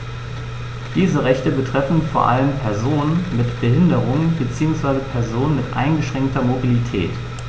Diese Rechte betreffen vor allem Personen mit Behinderung beziehungsweise Personen mit eingeschränkter Mobilität.